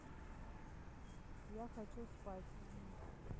я хочу спать